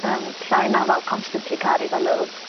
ym llai na fel constantly caru fe loads.